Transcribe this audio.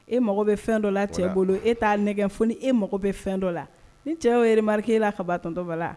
E mago bɛ fɛn dɔ la cɛ bolo e t'a nɛgɛ foni e mago bɛ fɛn dɔ la ni cɛ orike la ka ban ttɔba la